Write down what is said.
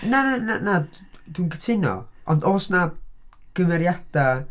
Na, na, na, dwi'n cytuno, ond oes 'na gymeriadau?